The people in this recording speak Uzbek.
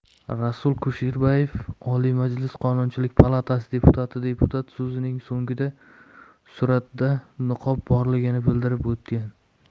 rasul kusherbayev oliy majlis qonunchilik palatasi deputati deputat so'zining so'ngida suratda niqobi borligini bildirib o'tgan